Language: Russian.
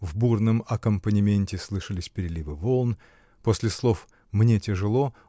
в бурном аккомпанементе слышались переливы волн. После слов: "Мне тяжело.